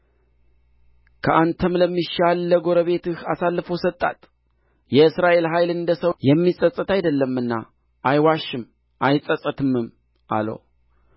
ከአንተም ለሚሻል ለጎረቤትህ አሳልፎ ሰጣት የእስራኤል ኃይል እንደ ሰው የሚጸጸት አይደለምና አይዋሽም አይጸጸትምም አለው